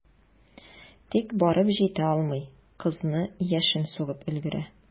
Тик барып җитә алмый, кызны яшен сугып өлгерә.